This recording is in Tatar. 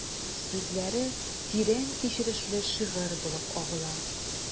Сүзләре тирән кичерешле шигырь булып агыла...